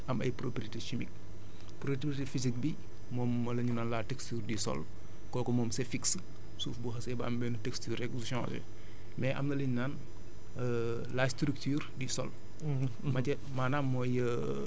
parce que suuf dafa am lu ñu naan ay propriétés physiques am ay propriétés chimiques propriété physique bi moom la ñu naan la texture du sol kooku moom c' est fixe suuf bu xasee ba am benn texture rek du changé mais am na li ñu naan la structure du sol